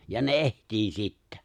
ja ne etsii sitten